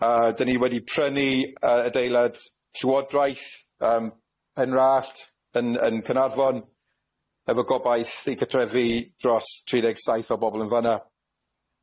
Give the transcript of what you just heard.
Yy dan ni wedi prynu yy adeilad Llywodraeth yym Penrallt yn yn Caernarfon efo gobaith i gartrefi dros tri deg saith o bobol yn fan'a.